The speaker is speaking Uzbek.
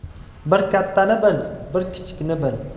bir kattani bil bir kichikni bil